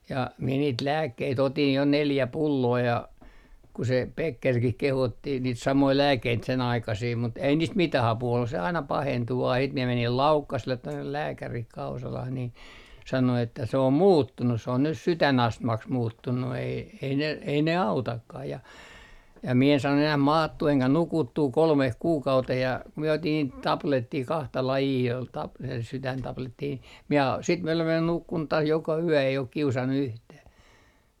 ja minä niitä lääkkeitä otin jo neljä pulloa ja kun se Beckerkin kehotti niitä samoja lääkkeitä sen aikaisia mutta ei niistä mitään apua ollut se aina pahentui vain sitten minä menin Laukkaselle tuonne lääkäriin Kausalaan niin sanoi että se on muuttunut se on nyt sydänastmaksi muuttunut ei ei ne ei ne autakaan ja ja minä en saanut enää maattua enkä nukuttua kolmeen kuukauteen ja kun minä otin niitä tabletteja kahta lajia oli - sydäntabletteja niin minä sitten minä olen välillä nukkunut taas joka yö ei ole kiusannut yhtään